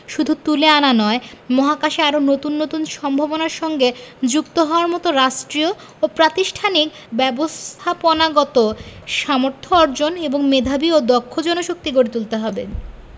শুধু তুলে আনা নয় মহাকাশে আরও নতুন নতুন সম্ভাবনার সঙ্গে যুক্ত হওয়ার মতো রাষ্ট্রীয় ও প্রাতিষ্ঠানিক ব্যবস্থাপনাগত সামর্থ্য অর্জন এবং মেধাবী ও দক্ষ জনশক্তি গড়ে তুলতে হবে